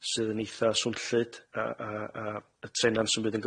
sydd yn eitha' swnllyd a- a- a- yy trena'n symud yn